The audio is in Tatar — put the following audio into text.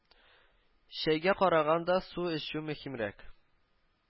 Чәйгә караганда су эчү мөһимрәк